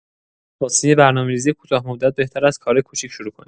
واسه یه برنامه‌ریزی کوتاه‌مدت، بهتره از کارای کوچیک شروع کنی.